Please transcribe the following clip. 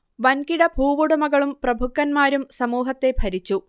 വൻകിട ഭൂവുടമകളും പ്രഭുക്കന്മാരും സമൂഹത്തെ ഭരിച്ചു